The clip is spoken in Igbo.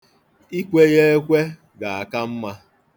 Ikwe ya ekwe ga-aka mma.